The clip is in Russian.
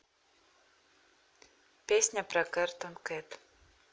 песня про cartoon cat